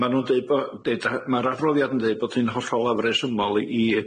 Ma' nw'n deud bo'- deud tha-... Ma'r adroddiad yn deud bot hi'n hollol afresymol i